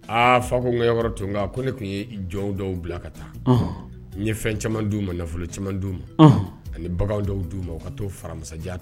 Aa fa ko n ŋ tun ko ne tun ye jɔnw dɔw bila ka taa n ye fɛn caman d diu ma nafolo caman d di uu ma ani bagan dɔw d' u ma u ka taa'o fara masajan